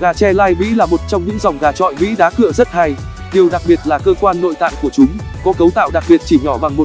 gà tre lai mỹ là một trong những dòng gà chọi mỹ đá cựa rất hay điều đặc biệt là cơ quan nội tạng của chúng có cấu tạo đặc biệt chỉ nhỏ bằng